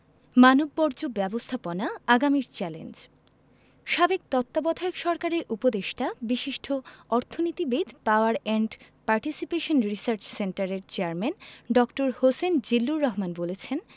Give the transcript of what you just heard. মানববর্জ্য ব্যবস্থাপনা আগামীর চ্যালেঞ্জ সাবেক তত্ত্বাবধায়ক সরকারের উপদেষ্টা বিশিষ্ঠ অর্থনীতিবিদ পাওয়ার অ্যান্ড পার্টিসিপেশন রিসার্চ সেন্টারের চেয়ারম্যান ড.হোসেন জিল্লুর রহমান বলেছেন